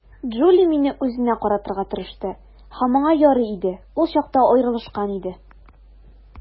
Джули мине үзенә каратырга тырышты, һәм аңа ярый иде - ул чакта аерылышкан иде.